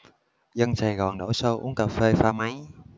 dân sài gòn đổ xô uống cà phê pha máy